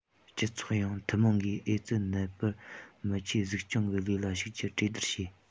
སྤྱི ཚོགས ཡོངས ཐུན མོང གིས ཨེ ཙི ནད པར མི ཆོས གཟིགས སྐྱོང གི ལས ལ ཞུགས རྒྱུར གྲོས སྡུར བྱས